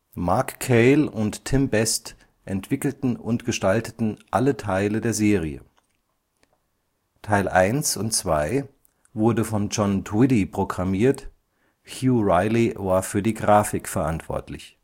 Mark Cale und Tim Best entwickelten und gestalteten alle Teile der Serie. Teil 1 und 2 wurde von John Twiddy programmiert; Hugh Riley war für die Grafik verantwortlich